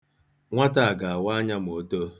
Nwata a ga-awa anya ma o too.